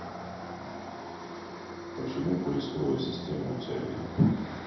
почему поисковая система у тебя бинг